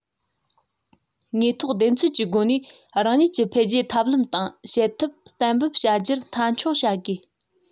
དངོས ཐོག བདེན འཚོལ གྱི སྒོ ནས རང ཉིད ཀྱི འཕེལ རྒྱས ཐབས ལམ དང བྱེད ཐབས གཏན འབེབས བྱ རྒྱུ མཐའ འཁྱོངས བྱ དགོས